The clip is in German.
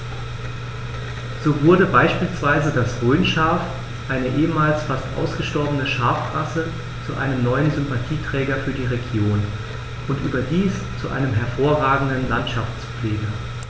So wurde beispielsweise das Rhönschaf, eine ehemals fast ausgestorbene Schafrasse, zu einem neuen Sympathieträger für die Region – und überdies zu einem hervorragenden Landschaftspfleger.